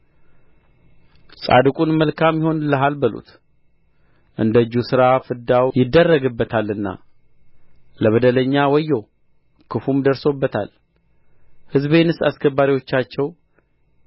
ጻድቁን መልካም ይሆንልሃል በሉት እንደ እጁ ሥራ ፍዳው ይደረግበታልና ለበደለኛ ወዮ ክፉም ደርሶበታል ሕዝቤንስ አስገባሪዎቻቸው